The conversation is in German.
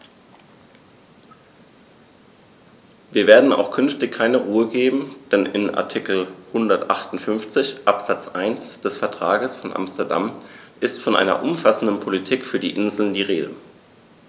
Wir werden auch künftig keine Ruhe geben, denn in Artikel 158 Absatz 1 des Vertrages von Amsterdam ist von einer umfassenden Politik für die Inseln die Rede.